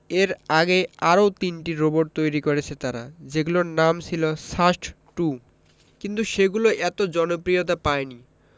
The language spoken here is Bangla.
এর আগে আরও তিনটি রোবট তৈরি করেছে তারা যেগুলোর নাম ছিল সাস্ট টু কিন্তু সেগুলো এত জনপ্রিয়তা পায়নি